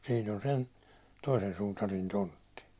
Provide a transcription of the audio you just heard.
sinne on sen toisen suutarin tontti